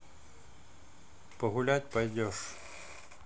погулять пойдешь